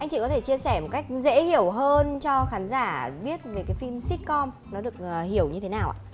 anh chỉ có thể chia sẻ một cách dễ hiểu hơn cho khán giả biết về cái phim sít com nó được hiểu như thế nào ạ